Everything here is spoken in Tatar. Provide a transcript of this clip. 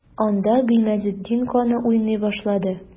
Анда Гыймазетдин каны уйный башлады.